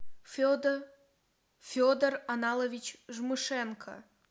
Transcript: федор аналович жмышенко